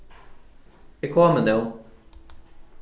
eg komi nú